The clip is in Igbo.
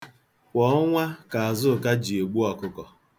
Kwa ọnwa ka Azụka ji egbu ọkụkọ.